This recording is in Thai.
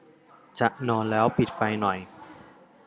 จะนอนแล้วปิดไฟหน่อย